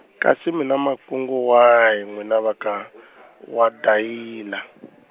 kasi mi na makungu wahi n'wina va ka, waDayila?